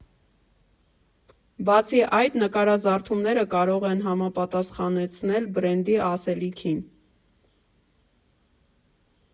Բացի այդ, նկարազարդումները կարող են համապատասխանեցվել բրենդի ասելիքին։